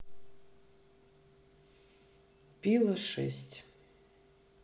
пила шесть